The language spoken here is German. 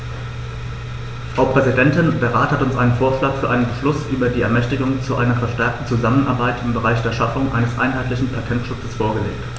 Frau Präsidentin, der Rat hat uns einen Vorschlag für einen Beschluss über die Ermächtigung zu einer verstärkten Zusammenarbeit im Bereich der Schaffung eines einheitlichen Patentschutzes vorgelegt.